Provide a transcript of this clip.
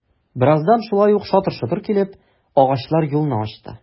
Бераздан шулай ук шатыр-шотыр килеп, агачлар юлны ачты...